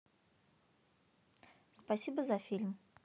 спасибо за фильм